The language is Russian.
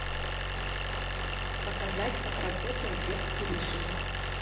показать как работает детский режим